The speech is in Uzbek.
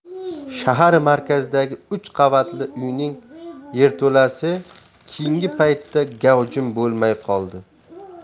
shahar markazidagi uch qavatli uyning yerto'lasi keyingi paytda gavjum bo'lmay qoldi